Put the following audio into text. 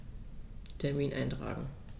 Termin eintragen